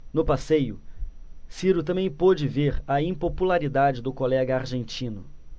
no passeio ciro também pôde ver a impopularidade do colega argentino